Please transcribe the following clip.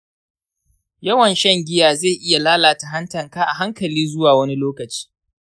yawan shan giya zai iya lalata hantanka a hankali zuwa wani lokaci.